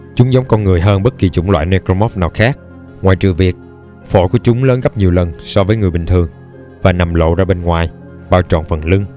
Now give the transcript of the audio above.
chúng giống con người hơn bất kỳ chủng loại necromorph nào khác ngoại trừ việc phổi của chúng lớn gấp nhiều lần so với người bình thường và nằm lộ ra bên ngoài bao trọn phần lưng